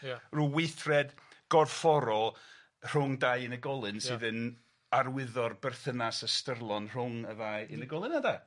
Ia. Ryw weithred gorfforol rhwng dau unigolyn sydd yn arwyddo'r berthynas ystyrlon rhwng y ddau unigolyn ynde?